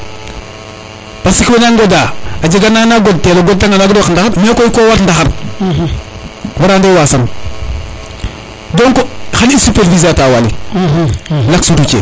parce que wena ngoda a jega nana god tel o goda nga wagiro yaq ndaxar mais wokoy ko war ndaxar wara nde wasan donc xan i supperviser ata Waly l' axe routier